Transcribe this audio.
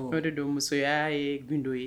O yɛrɛ de don musoya ye gundo ye